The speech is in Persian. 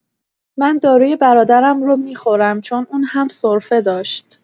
من داروی برادرم رو می‌خورم چون اون هم سرفه داشت.